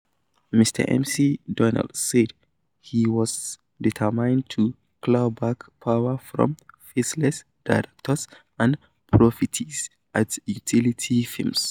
Mr McDonnell said he was determined to claw back power from 'faceless directors' and 'profiteers' at utility firms.